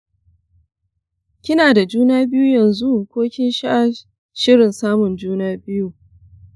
kina da juna biyu yanzu ko kina shirin samun juna biyu?